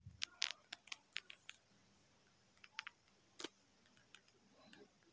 ходи милый ходи мой песня